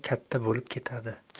katta bo'lib ketadi